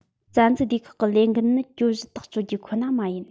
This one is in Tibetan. རྩ འཛུགས སྡེ ཁག གི ལས འགན ནི གྱོད གཞི ཐག གཅོད རྒྱུ ཁོ ན མ ཡིན